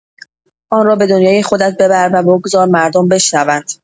آن را به دنیای خودت ببر و بگذار مردم بشنوند.